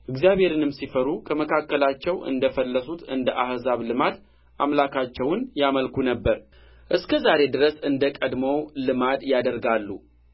እግዚአብሔርንም ሲፈሩ ከመካከላቸው እንደ ፈለሱት እንደ አሕዛብ ልማድ አምላካቸውን ያመልኩ ነበር እስከ ዛሬ ድረስ እንደ ቀደመው ልማድ ያደርጋሉ